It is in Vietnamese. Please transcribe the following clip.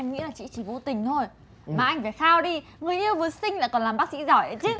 em nghĩ là chị ý chỉ vô tình thôi mà anh phải khao đi người yêu vừa xinh lại còn làm bác sĩ giỏi nữa chứ